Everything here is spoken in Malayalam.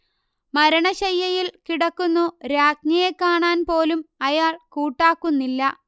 മരണശയ്യയിൽ കിടക്കുന്നു രാജ്ഞിയെ കാണാൻ പോലും അയാൾ കൂട്ടാക്കുന്നില്ല